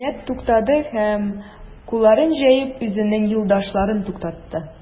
Кинәт туктады һәм, кулларын җәеп, үзенең юлдашларын туктатты.